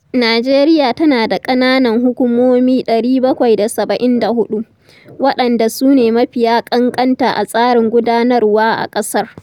Nijeriya tana da ƙananan hukumomi 774, waɗanda su ne mafiya ƙanƙanta a tsarin gudanarwa a ƙasar.